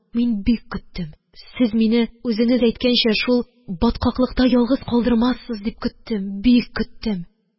Мин бик көттем... Сез мине, үзеңез әйткәнчә, шул баткаклыкта ялгыз калдырмассыз дип көттем, бик көттем